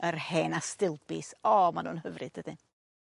yr hen Astilbes o ma' nw'n hyfryd dydyn?